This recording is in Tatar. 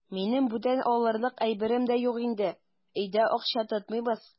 Минем бүтән алырлык әйберем дә юк инде, өйдә акча тотмыйбыз.